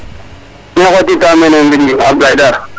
Maxey xooytitaa mene mbin Ablaye Dar,